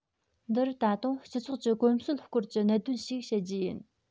འདིར ད དུང སྤྱི ཚོགས ཀྱི གོམས སྲོལ སྐོར གྱི གནད དོན ཞིག བཤད རྒྱུ ཡིན